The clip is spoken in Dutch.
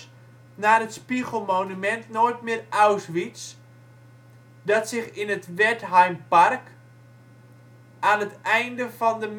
naar het spiegelmonument " Nooit Meer Auschwitz " dat zich in het Wertheimpark aan het einde van de